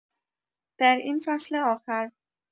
در این فصل آخر